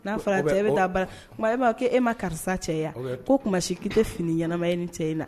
N'a fɔra cɛ bɛ ta baara o kuma e ma karisa cɛ ye wa ko kuma si i tɛ fini ɲɛnama ye cɛ in na